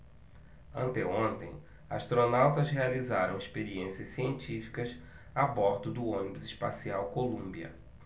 anteontem astronautas realizaram experiências científicas a bordo do ônibus espacial columbia